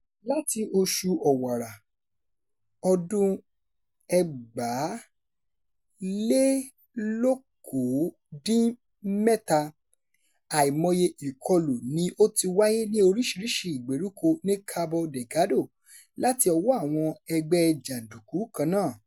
Láti oṣù Ọ̀wàrà 2017, àìmọye ìkọlù ni ó ti wáyé ní oríṣiríṣìí ìgbèríko ní Cabo Delgado láti ọwọ́ àwọn ẹgbẹ́ jàndùkú kan náà.